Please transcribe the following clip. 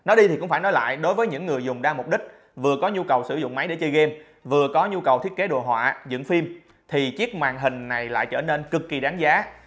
nói đi thì cũng phải nói lại đối với những người dùng đa mục đích vừa có nhu cầu sử dụng máy để chơi game vừa có nhu cầu thiết kế đồ họa dựng phim thì chiếc màn hình này lại trở nên cực kì đáng giá